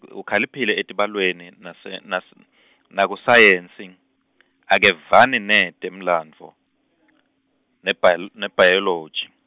ukhaliphile etibalweni, nase- nas- nakusayensi, akevani netemlandvo , nebhayil- nebhayoloji.